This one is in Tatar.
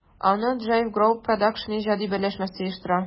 Аны JIVE Group Produсtion иҗади берләшмәсе оештыра.